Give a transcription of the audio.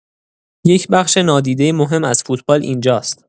یک بخش نادیده مهم از فوتبال اینجاست.